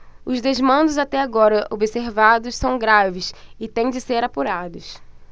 os desmandos até agora observados são graves e têm de ser apurados